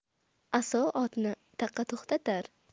asov otni taqa to'xtatar